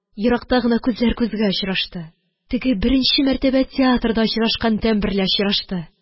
Еракта гына күзләр күзгә очрашты. Теге беренче мәртәбә театрда очрашкан тәм берлә очрашты.